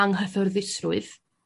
anghyffyrddusrwydd.